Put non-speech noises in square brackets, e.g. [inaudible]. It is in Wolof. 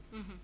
[hesitation] [hesitation]